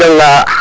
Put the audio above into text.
o jega nga